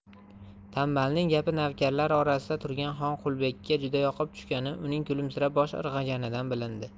tanbalning gapi navkarlar orasida turgan xonqulibekka juda yoqib tushgani uning kulimsirab bosh irg'aganidan bilindi